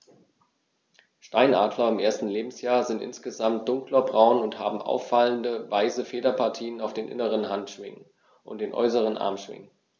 Steinadler im ersten Lebensjahr sind insgesamt dunkler braun und haben auffallende, weiße Federpartien auf den inneren Handschwingen und den äußeren Armschwingen.